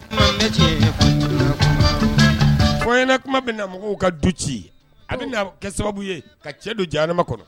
Kuma cɛ fɔyana kuma bɛ na mɔgɔw ka du ci ani kɛ sababu ye ka cɛ don adama kɔrɔ